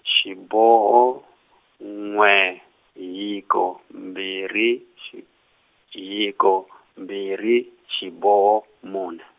xiboho n'we hiko mbirhi xi hiko mbirhi xiboho mune.